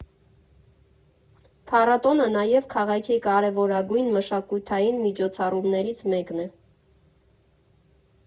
Փառատոնը նաև քաղաքի կարևորագույն մշակութային միջոցառումներից մեկն է։